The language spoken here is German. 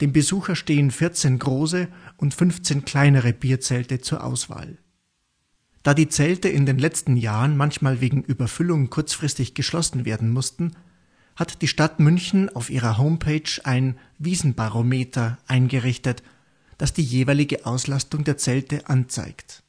Besucher stehen 14 große und 15 kleinere Bierzelte zur Auswahl. Da die Zelte in den letzten Jahren manchmal wegen Überfüllung kurzfristig geschlossen werden mussten, hat die Stadt München auf ihrer Homepage ein Wiesnbarometer eingerichtet, das die jeweilige Auslastung der Zelte anzeigt